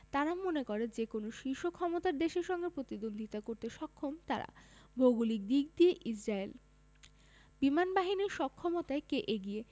তারা মনে করে যেকোনো শীর্ষ ক্ষমতার দেশের সঙ্গে প্রতিদ্বন্দ্বিতা করতে সক্ষম তারা ভৌগোলিক দিক দিয়ে ইসরায়েল বিমানবাহীর সক্ষমতায় কে এগিয়ে